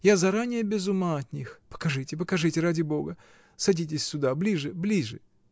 Я заранее без ума от них: покажите, покажите, ради Бога! Садитесь сюда, ближе, ближе.